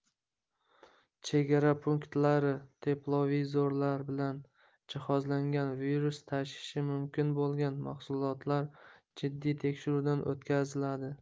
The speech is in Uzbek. chegara punktlari teplovizorlar bilan jihozlangan virus tashishi mumkin bo'lgan mahsulotlar jiddiy tekshiruvdan o'tkaziladi